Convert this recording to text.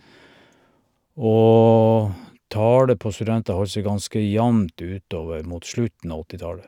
Og tallet på studenter holdt seg ganske jamt ut over mot slutten av åttitallet.